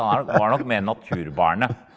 han er nok var nok mer naturbarnet.